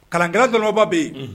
Kalan gɛlɛn dɔrɔnrɔba bɛ yen